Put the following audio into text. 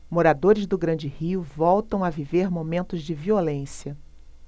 moradores do grande rio voltam a viver momentos de violência